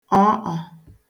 ọ̀ọọ̄